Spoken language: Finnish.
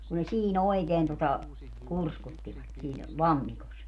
kun ne siinä oikein tuota kurskuttivat siinä lammikossa